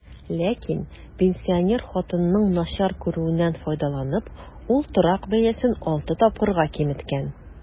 Ләкин, пенсинер хатынның начар күрүеннән файдаланып, ул торак бәясен алты тапкырга киметкән.